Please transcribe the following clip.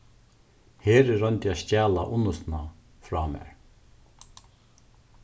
heri royndi at stjala unnustuna frá mær